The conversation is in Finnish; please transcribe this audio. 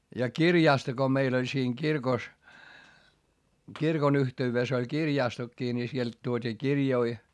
ja kirjasto kun meillä oli siinä kirkossa kirkon yhteydessä oli kirjastokin niin sieltä tuotiin kirjoja